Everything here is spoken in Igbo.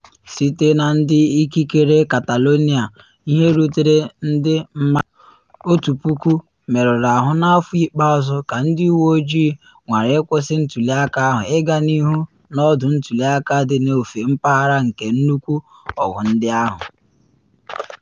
Site na ndị ikikere Catalonia ihe rutere ndị mmadụ 1000 merụrụ ahụ n’afọ ikpeazụ ka ndị uwe ojiii nwara ịkwụsị ntuli aka ahụ ịga n’ihu n’ọdụ ntuli aka dị n’ofe mpaghara nke nnukwu ọgụ ndị ahụ.